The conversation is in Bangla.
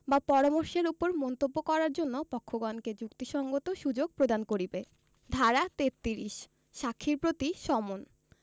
বা পরামর্শের উপর মন্তব্য করার জন্য পক্ষগণকে যুক্তিসংগত সুযোগ প্রদান করিবে ধারা ৩৩ সাক্ষীর প্রতি সমন